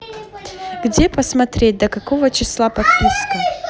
где посмотреть до какого числа подписка